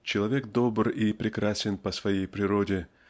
человек добр и прекрасен по своей природе